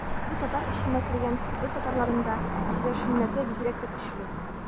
Бу татар эченә кергән Себер татарларында, керәшеннәрдә бигрәк тә көчле.